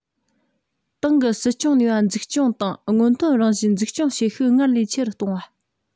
ཏང གི སྲིད སྐྱོད ནུས པ འཛུགས སྐྱོད དང སྔོན ཐོན རང བཞིན འཛུགས སྐྱོད བྱེད ཤུགས སྔར ལས ཆེ རུ གཏོང བ